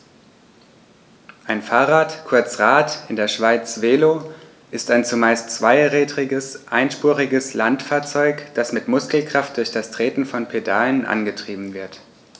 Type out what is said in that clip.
Ein Fahrrad, kurz Rad, in der Schweiz Velo, ist ein zumeist zweirädriges einspuriges Landfahrzeug, das mit Muskelkraft durch das Treten von Pedalen angetrieben wird.